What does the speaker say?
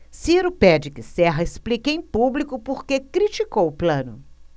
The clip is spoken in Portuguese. ciro pede que serra explique em público por que criticou plano